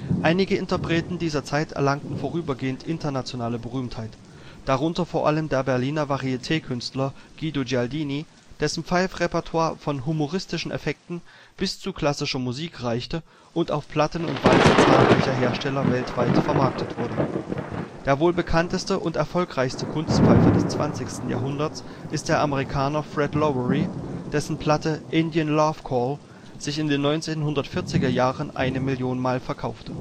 Einige Interpreten dieser Zeit erlangten vorübergehend internationale Berühmtheit, darunter vor allem der Berliner Varietékünstler Guido Gialdini, dessen Pfeif-Repertoire von humoristischen Effekten bis zu klassischer Musik reichte und auf Platten und Walzen zahlreicher Hersteller weltweit vermarktet wurde. Der wohl bekannteste und erfolgreichste Kunstpfeifer des 20. Jahrhunderts ist der Amerikaner Fred Lowery, dessen Platte Indian Love Call sich in den 1940er Jahren eine Million mal verkaufte